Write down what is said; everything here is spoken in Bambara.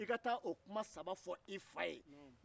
i ye a faamuya